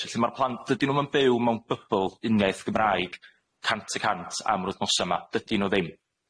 Felly ma'r plant- dydyn nw'm yn byw mewn bybl uniaith Gymraeg, cant y cant, am yr wthnosa 'ma. Dydyn nw ddim.